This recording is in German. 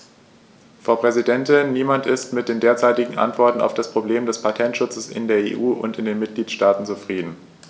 Frau Präsidentin, niemand ist mit den derzeitigen Antworten auf das Problem des Patentschutzes in der EU und in den Mitgliedstaaten zufrieden.